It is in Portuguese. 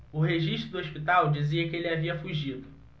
o registro do hospital dizia que ele havia fugido